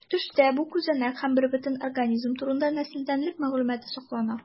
Төштә бу күзәнәк һәм бербөтен организм турында нәселдәнлек мәгълүматы саклана.